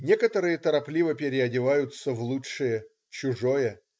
Некоторые торопливо переодеваются в лучшее - чужое.